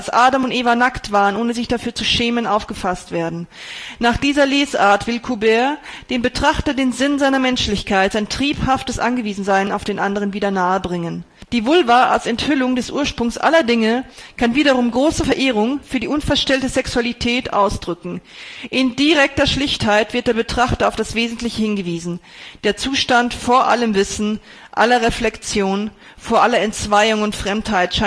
Eva nackt waren, ohne sich dafür zu schämen, aufgefasst werden. Nach dieser Lesart will Courbet dem Betrachter den Sinn seiner Menschlichkeit, sein triebhaftes Angewiesensein auf den Anderen, wieder nahe bringen. Die Vulva als Enthüllung des Ursprungs aller Dinge kann wiederum große Verehrung für die unverstellte Sexualität ausdrücken. In direkter Schlichtheit wird der Betrachter auf das Wesentliche hingewiesen: Der Zustand vor allem Wissen, aller Reflexion, vor aller Entzweiung und Fremdheit